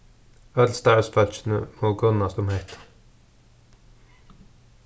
øll starvsfólkini mugu kunnast um hetta